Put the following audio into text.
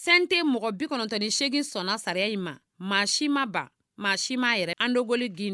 Santé mɔgɔ 98 sɔn na sariya in ma , maa si ma ban , maa si ma yɛrɛ , Andogoli Guindo.